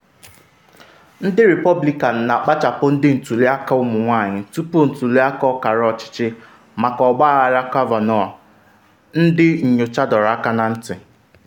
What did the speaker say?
Ndị Repọblikan Na-akpachapụ Ndị Ntuli Aka Ụmụ-nwanyị Tupu Ntuli Aka Ọkara Ọchịchị Maka Ọgbaghara Kavanaugh, Ndị Nyocha Dọrọ Aka na Ntị